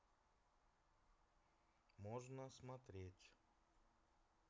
можно смотреть